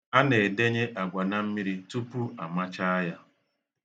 A na-edenye agwa na mmiri tupu a machaa ya.